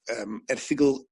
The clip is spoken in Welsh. yym erthygl